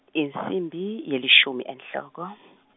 insimbi yelishumi enhloko .